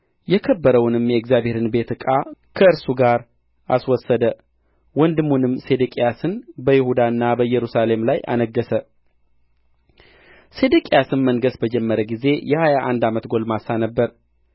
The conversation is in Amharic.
የከበረውንም የእግዚአብሔርን ቤት ዕቃ ከእርሱ ጋር አስወሰደ ወንድሙንም ሴዴቅያስን በይሁዳና በኢየሩሳሌም ላይ አነገሠ ሴዴቅያስ መንገሥ በጀመረ ጊዜ የሀያ አንድ ዓመት ጕልማሳ ነበረ